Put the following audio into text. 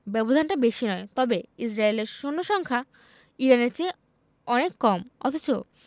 ব্যবধানটা বেশি নয় তবে ইসরায়েলের সৈন্য সংখ্যা ইরানের চেয়ে অনেক কম অথচ